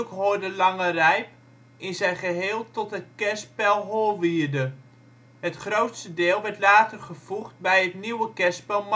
hoorde Langerijp in zijn geheel tot het kerspel Holwierde. Het grootste deel werd later gevoegd bij het nieuwe kerspel Marsum